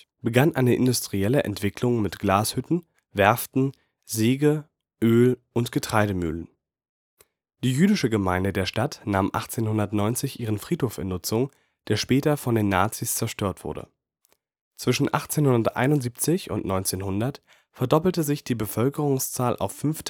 begann eine industrielle Entwicklung mit Glashütten, Werften, Säge -, Öl - und Getreidemühlen. Die Jüdische Gemeinde der Stadt nahm 1890 ihren Friedhof in Nutzung, der später von den Nazis zerstört wurde. Zwischen 1871 und 1900 verdoppelte sich die Bevölkerungszahl auf 5.700